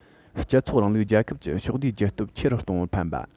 སྤྱི ཚོགས རིང ལུགས རྒྱལ ཁབ ཀྱི ཕྱོགས བསྡུས རྒྱལ སྟོབས ཚེ རུ གཏོང བར ཕན པ